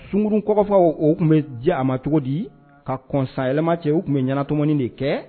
Sunurunun kɔfaw o tun bɛ jɛ a ma cogo di ka kɔsanyɛlɛ cɛ u tun bɛ ɲɛnatmani de kɛ